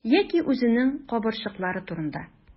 Яки үзенең кабырчрыклары турында.